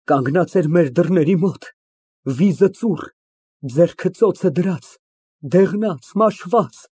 Կանգնած էր մեր դռների մոտ, վիզը ծուռ, ձեռքը ծոցը դրած, դեղնած, մաշված։